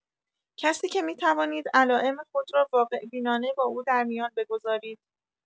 کسی که می‌توانید علائم خود را واقع‌بینانه با او در میان بگذارید